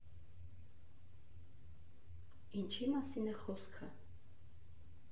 Ինչի՞ մասին է խոսքը…